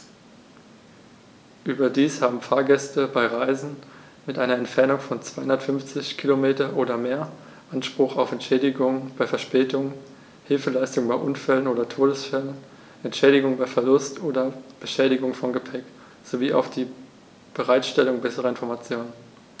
Überdies haben Fahrgäste bei Reisen mit einer Entfernung von 250 km oder mehr Anspruch auf Entschädigung bei Verspätungen, Hilfeleistung bei Unfällen oder Todesfällen, Entschädigung bei Verlust oder Beschädigung von Gepäck, sowie auf die Bereitstellung besserer Informationen.